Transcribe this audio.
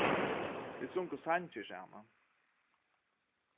vit sungu sangir saman